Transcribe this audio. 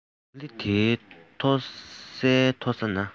ལྒང ལི འདིའི མཐོ སའི མཐོ ས ན